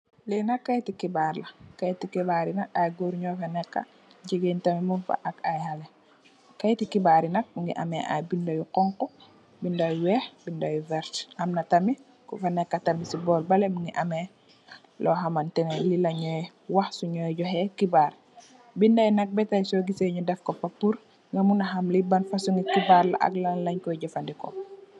Li nak keyti xibaar la keyti xibaari nak ay goor nyun fa neka ay jigeen tamit nyung fa ak ay xale keyti xibaar bi nak mogi ay binda nyun fa ak ay Binta yu weex binda u verta amna tamit kofa neka tamit si borr bale mogi ameh lo hamanteneh li mo wax so nyu joxex kibaar binday nak so gise nyu def kofa pul muna ham li bang fosongi kibaar ak lan len koi jefendeko.